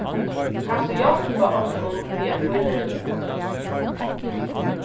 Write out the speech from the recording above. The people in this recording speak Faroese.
kanst tú hjálpa okkum við at bíleggja borð